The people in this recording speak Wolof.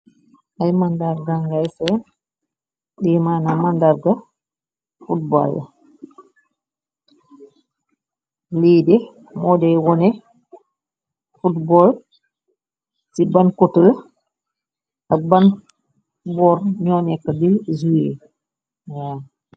Aay màndarga ngay seen limanam màndarga fotbol la liide mo de wone footbol ci ban kutal ak ban boor ñoo nekk bi zueh.